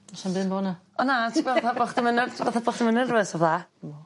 Do's na'm by' bo' 'na. Wel na ti gweld pan boch chdi myn nerf- fatha pan ti'n myn' nervous fatha. 'Dw.